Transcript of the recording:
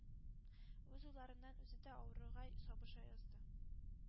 Үз уйларыннан үзе дә авыруга сабыша язды.